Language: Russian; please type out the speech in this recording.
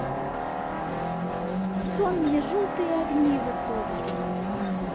сон мне желтые огни высоцкий